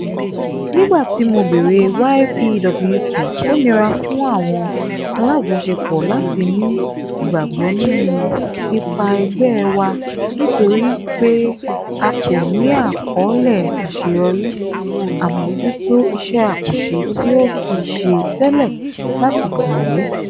Nígbàtí mo bẹ̀rẹ̀ YPWC, ó nira fún àwọn alájọṣepọ̀ láti ní ìgbàgbọ́ nínú ipá ẹgbẹ́ wa nítorí pé a kò ní àkọ́ọ́lẹ̀ àṣeyọrí àmójútó iṣẹ́ àkànṣe tí a ti ṣe tẹ́lẹ̀ láti gùn lé.